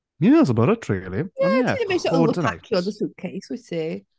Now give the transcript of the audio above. I think that's about it, really."... Ie, ti ddim isio ofyrpacio dy suitcase*, wyt ti?